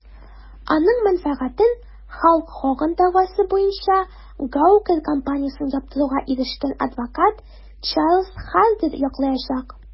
Аның мәнфәгатен Халк Хоган дәгъвасы буенча Gawker компаниясен яптыруга ирешкән адвокат Чарльз Хардер яклаячак.